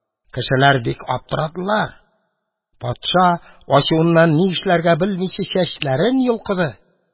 Кешеләр бик аптырадылар, патша, ачуыннан ни эшләргә белмичә, чәчләрен йолкыды.